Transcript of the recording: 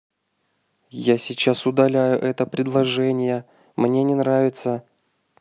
я сейчас удаляю этого предложения мне не нравится